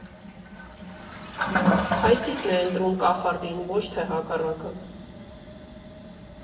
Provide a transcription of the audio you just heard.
Փայտիկն է ընտրում կախարդին, ոչ թե հակառակը։